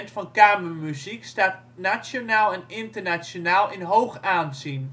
van kamermuziek staat nationaal en internationaal in hoog aanzien